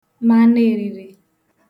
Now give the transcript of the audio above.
manụ èriri